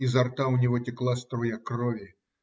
Изо рта у него текла струя крови.